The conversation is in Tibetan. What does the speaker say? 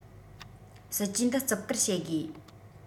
སྲིད ཇུས འདི བརྩི བཀུར བྱེད དགོས